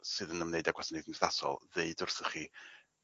sydd yn ymwneud â ddeud wrthoch chi